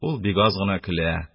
Ул бик аз гына көлә.